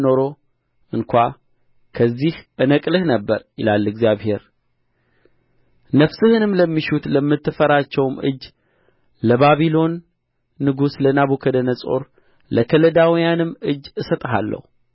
ኖሮ እንኳ ከዚያ እነቅልህ ነበር ይላል እግዚአብሔር ፍስህንም ለሚሹት ለምትፈራቸውም እጅ ለባቢሎን ንጉሥ ለናቡከደነፆር ለከለዳውያንም እጅ እሰጥሃለሁ